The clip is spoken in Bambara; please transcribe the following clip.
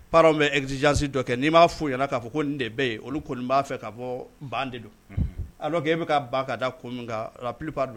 Parents bɛ exigence dɔ kɛ n'i m'a fɔ u ɲɛna ko nin de bɛ yen olu kɔni b'a fɛ k'a fɔ ban de don, unhun, alors que e bɛ ka ban ka da kun min kan la plupart